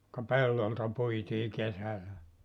ka pellolta puitiin kesällä